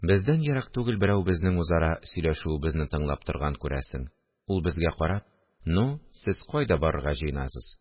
Бездән ерак түгел берәү безнең үзара сөйләшүебезне тыңлап торган, күрәсең, ул, безгә карап: – Ну, сез кайда барырга җыенасыз